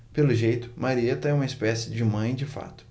pelo jeito marieta é uma espécie de mãe de fato